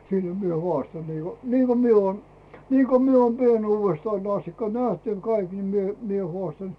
sillä minä haastan niin kuin niin kuin minä olen niin kuin minä olen pienuudestani asti nähnyt aina kaikki niin minä minä haastan